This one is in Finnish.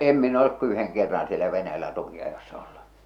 en minä ole kuin yhden kerran siellä Venäjällä tukinajossa ollut